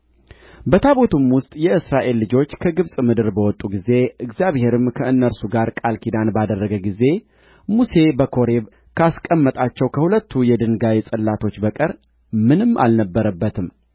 በታቦቱም ውስጥ የእስራኤል ልጆች ከግብጽ ምድር በወጡ ጊዜ እግዚአብሔርም ከእነርሱ ጋር ቃል ኪዳን ባደረገ ጊዜ ሙሴ በኮሬብ ካስቀመጣቸው ከሁለቱ የድንጋይ ጽላቶች በቀር ምንም አልነበረበትም